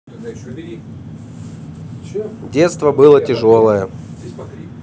детство было тяжелое